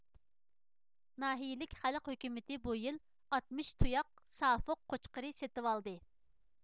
ناھىيىلىك خەلق ھۆكۈمىتى بۇ يىل ئاتمىش تۇياق سافۇق قوچقىرى سېتىۋالدى